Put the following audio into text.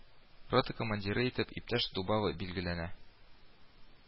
Рота командиры итеп иптәш Дубава билгеләнә